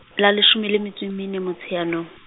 la leshome le metso e mene Motsheanong.